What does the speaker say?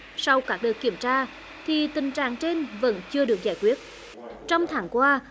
sau các đợt kiểm tra thì tình trạng trên vẫn chưa được giải quyết trong tháng qua